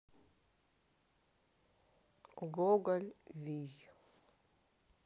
гоголь вий